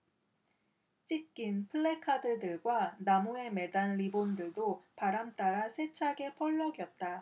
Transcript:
찢긴 플래카드들과 나무에 매단 리본들도 바람 따라 세차게 펄럭였다